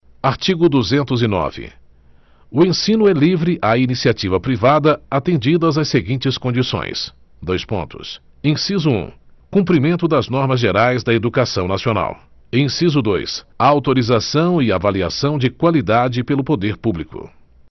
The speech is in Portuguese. artigo duzentos e nove o ensino é livre à iniciativa privada atendidas as seguintes condições dois pontos inciso um cumprimento das normas gerais da educação nacional inciso dois autorização e avaliação de qualidade pelo poder público